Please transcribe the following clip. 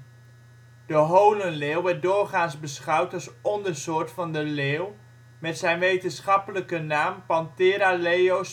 De holenleeuw werd doorgaans beschouwd als ondersoort van de leeuw, met de wetenschappelijke naam Panthera leo